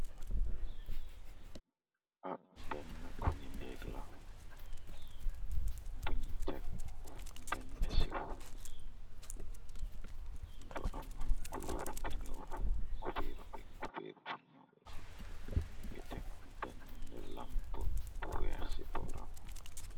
ab benn ko ni néeg la buñu tek benn ciwu bu aman kuluur binu kupéer bi kupéer bi ñu la ngi tek benn lamp bu weex ci booram